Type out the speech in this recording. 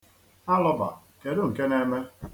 Alọba, kedụ nke na-eme?